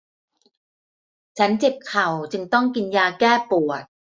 ฉันเจ็บเข่าจึงต้องกินยาแก้ปวด